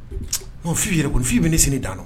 F'i yɛrɛ ko f' bɛ ne sini dan na